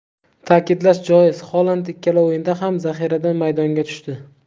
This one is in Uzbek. ta'kidlash joiz holand ikkala o'yinda ham zaxiradan maydonga tushdi